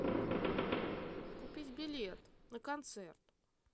купить билет на концерт